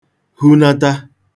hunata